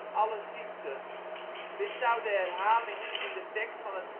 alle ziekten. Dit zou de herhalingen in de tekst van het